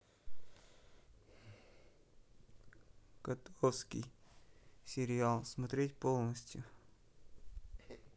котовский сериал смотреть полностью